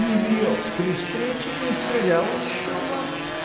— Не бьет при встрече, не стрелял еще в вас?